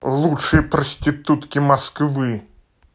лучшие проститутки москвы